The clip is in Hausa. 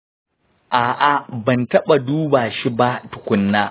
a’a, ban taɓa duba shi ba tukunna.